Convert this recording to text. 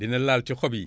dina laal ci xob yi